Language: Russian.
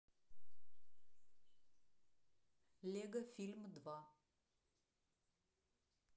лего фильм два